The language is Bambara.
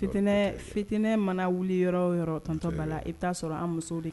Fitinɛ fitinɛ mana wuli yɔrɔ o yɔrɔ tonton Bala i t'a sɔrɔ an musow de